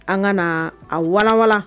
An ŋa naa a walawala